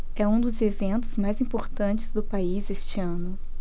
é um dos eventos mais importantes do país este ano